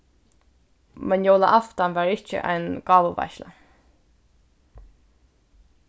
men jólaaftan var ikki ein gávuveitsla